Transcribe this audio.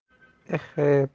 eh he biz